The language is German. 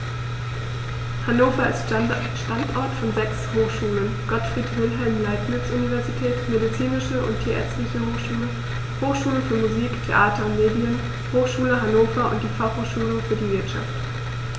Hannover ist Standort von sechs Hochschulen: Gottfried Wilhelm Leibniz Universität, Medizinische und Tierärztliche Hochschule, Hochschule für Musik, Theater und Medien, Hochschule Hannover und die Fachhochschule für die Wirtschaft.